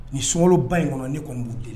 Ni sɔnba in kɔnɔ ne kɔni b'u deli